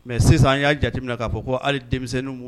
Mɛ sisan an y'a jateminɛ k'a fɔ ko ali denmisɛnnin